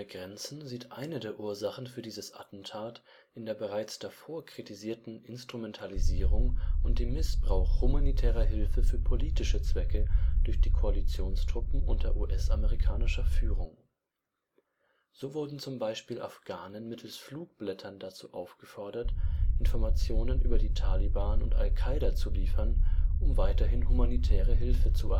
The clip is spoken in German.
MSF sieht eine der Ursachen für dieses Attentat in der bereits davor kritisierten Instrumentalisierung und dem Missbrauch humanitärer Hilfe für politische Zwecke durch die Koalitionstruppen unter US-amerikanischer Führung. So wurden zum Beispiel Afghanen mittels Flugblättern dazu aufgefordert, Informationen über die Taliban und Al-Qaida zu liefern, um weiterhin humanitäre Hilfe zu